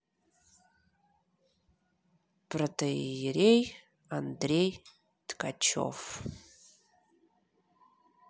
протоиерей андрей ткачев